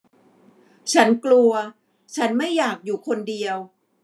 ฉันกลัวฉันไม่อยากอยู่คนเดียว